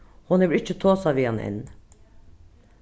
hon hevur ikki tosað við hann enn